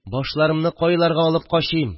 Башларымны кайларга алып качыйм